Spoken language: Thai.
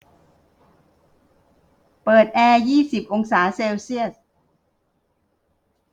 เปิดแอร์ยี่สิบองศาเซลเซียส